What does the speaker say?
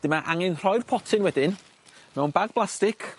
'Dyn ma' angen rhoi'r potyn wedyn mewn bag blastic